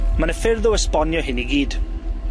Ma' 'na ffyrdd o esbonio hyn i gyd.